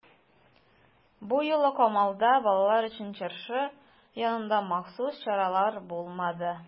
Бу юлы Камалда балалар өчен чыршы янында махсус чаралар булмады.